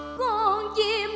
con chim